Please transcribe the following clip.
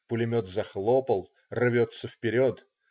Пулемет захлопал, рвется вперед.